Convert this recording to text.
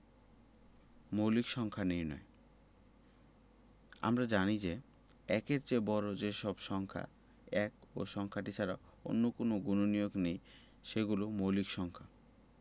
মৌলিক সংখ্যা নির্ণয় আমরা জানি যে ১-এর চেয়ে বড় যে সব সংখ্যা ১ ও সংখ্যাটি ছাড়া অন্য কোনো গুণনীয়ক নেই সেগুলো মৌলিক সংখ্যা